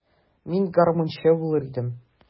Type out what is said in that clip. Мин гармунчы булыр идем.